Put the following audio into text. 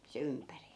se ympäri